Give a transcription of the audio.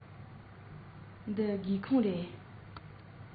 འཕྲིན ཡིག དེས བདག གི ཁྱིམ མི ཡོངས ལ དགའ བ ཚད ལས འདས པ ཞིག སྐྱེས བྱུང